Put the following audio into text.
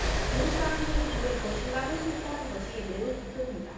이웃 사람들을 위해 무엇인가 할 수 있다는 것이 매우 기쁩니다